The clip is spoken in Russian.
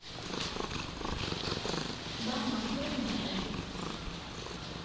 да мам я не могу